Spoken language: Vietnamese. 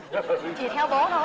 chỉ theo bố thôi